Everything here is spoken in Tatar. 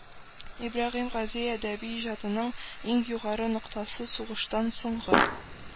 Ибраһим Гази әдәби иҗатының иң югары ноктасы сугыштан соңгы